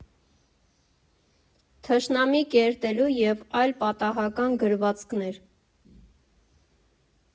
ԹՇՆԱՄԻ ԿԵՐՏԵԼԻՍ ԵՎ ԱՅԼ ՊԱՏԱՀԱԿԱՆ ԳՐՎԱԾՔՆԵՐ։